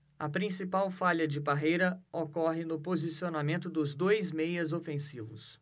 a principal falha de parreira ocorre no posicionamento dos dois meias ofensivos